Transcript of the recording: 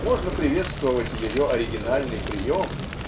Можно приветствовать ее оригинальный прием